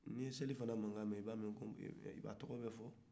n'i ye salifana mankan mɛn i b'a dɔn a tɔgɔ bɛ fɔ